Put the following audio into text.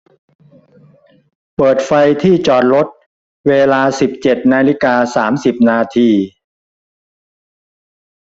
เปิดไฟที่จอดรถเวลาสิบเจ็ดนาฬิกาสามสิบนาที